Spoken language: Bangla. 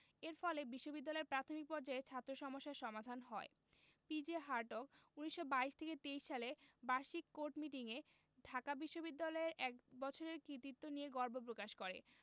এর ফলে বিশ্ববিদ্যালয়ে প্রাথমিক পর্যায়ে ছাত্র সমস্যার সমাধান হয় পি.জে হার্টগ ১৯২২ থেকে ২৩ সালে বার্ষিক কোর্ট মিটিং এ ঢাকা বিশ্ববিদ্যালয়ের এক বছরের কৃতিত্ব নিয়ে গর্ব প্রকাশ করেন